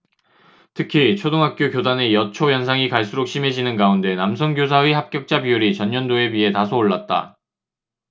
특히 초등학교 교단의 여초 현상이 갈수록 심해지는 가운데 남성 교사의 합격자 비율이 전년도에 비해 다소 올랐다